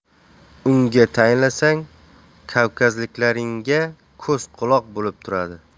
unga tayinlasang kavkazliklaringga ko'z quloq bo'lib turadi